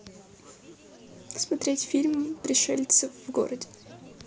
смотреть фильм пришельцы в городе